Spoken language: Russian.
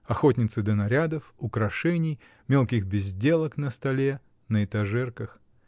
Охотница до нарядов, украшений, мелких безделок на столе, на этажерках.